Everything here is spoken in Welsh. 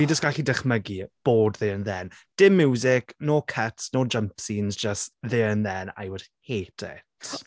Fi'n jyst gallu dychmygu bod there and then. Dim miwsig. No cuts no jump scenes just there and then. I would hate it.